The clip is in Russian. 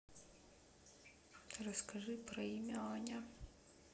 расскажи про имя аня